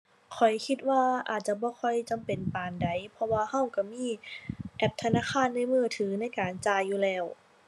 ข้อยคิดว่าอาจจะบ่ค่อยจำเป็นปานใด เพราะว่าเราเรามี แอปธนาคารในมือถือในการจ่ายอยู่แล้ว